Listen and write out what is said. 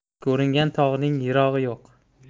ko'ringan tog'ning yirog'i yo'q